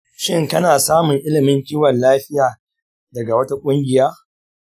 shin kana samun ilimin kiwon lafiya daga wata ƙungiya?